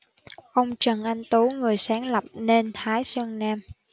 ông trần anh tú người sáng lập nên thái sơn nam